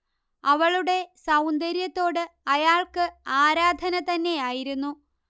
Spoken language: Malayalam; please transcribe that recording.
അവളുടെ സൗന്ദര്യത്തോട് അയാൾക്ക് ആരാധന തന്നെ ആയിരുന്നു